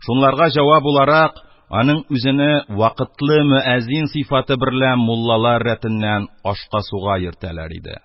Аның үзене «вакытлы мөәзин» сыйфаты берлән муллалар рәтеннән ашка-суга йөртәләр иде.